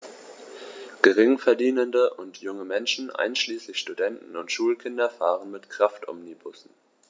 Geringverdienende und junge Menschen, einschließlich Studenten und Schulkinder, fahren mit Kraftomnibussen.